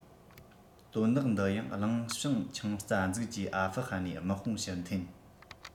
དོན དག འདི ཡང གླེང བྱང ཆིངས རྩ འཛུགས ཀྱིས ཨ ཧྥུ ཧན ནས དམག དཔུང ཕྱིར འཐེན